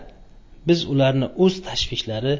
biz ularni o'z tashvishlari